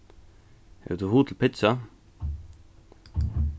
hevur tú hug til pitsa